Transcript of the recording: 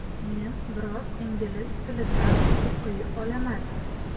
men biroz ingliz tilida o'qiy olaman